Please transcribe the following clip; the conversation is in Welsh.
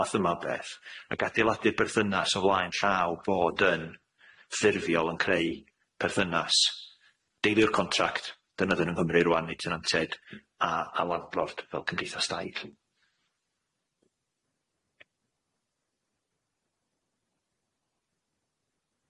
mathema o beth ag adeiladu'r berthynas o flaen llaw bod yn ffurfiol yn creu perthynas deiluwr contract dyna fydd yn yng Nghymru rŵan neud yn anted a a wladflord fel Cymdeithas dai lly.